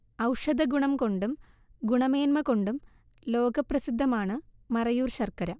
ഔഷധഗുണം കൊണ്ടും ഗുണമേൻമക്കൊണ്ടും ലോകപ്രസിദ്ധമാണ് മറയൂർ ശർക്കര